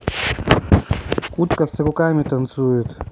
утка с руками танцует